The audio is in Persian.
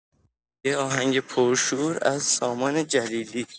یه آهنگ پرشور از سامان جلیلی